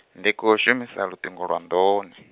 ndi kho shumisa luṱingo lwa nḓuni.